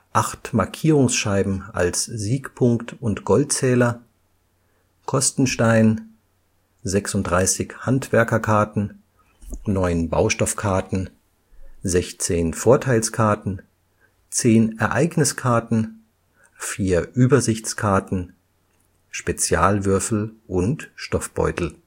8 Markierungsscheiben als Siegpunkt - und Goldzähler Kostenstein 36 Handwerkerkarten 9 Baustoffkarten 16 Vorteilskarten 10 Ereigniskarten 4 Übersichtskarten Spezialwürfel Stoffbeutel